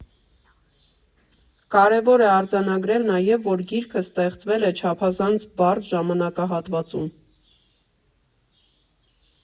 Կարևոր է արձանագրել նաև, որ գիրքը ստեղծվել է չափազանց բարդ ժամանակահատվածում.